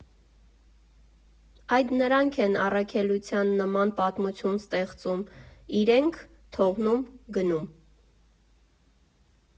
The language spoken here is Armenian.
Այդ նրանք են առաքելության նման պատմություն ստեղծում, իրենք՝ թողնում, գնում…